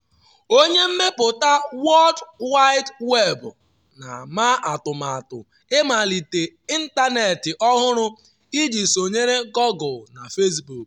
Onye Mmepụta World Wide Web Na-ama Atụmatụ Ịmalite Ịntanetị Ọhụrụ Iji Sonyere Google na Facebook